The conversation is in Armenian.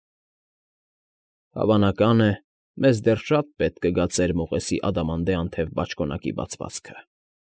Հավանական է, մեզ դեռ շատ պետք կգա ծեր մողեսի ադամանդե անթև բաճկոնակի բացվածքը։